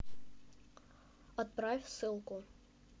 отправь ссылку